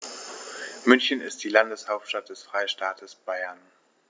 München ist die Landeshauptstadt des Freistaates Bayern.